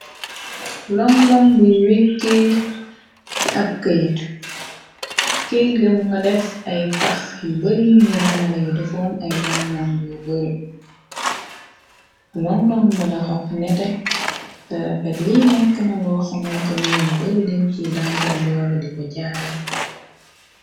Longlong buy wekkee ci ab kayte kayt gamu nga def ay pax yu bari yuñu rangala yu defoon ay olo yu bar long long ba daxak nete tarafet li nekk na loo xamontanit ñu bari den ciy danten doola di ko jaay.